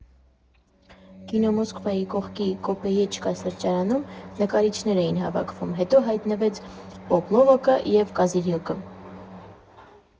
Կինո «Մոսկվայի» կողքի «Կոպեյեչկա» սրճարանում նկարիչներն էին հավաքվում, հետո հայտնվեց «Պոպլովոկը», «Կոզիրյոկը»։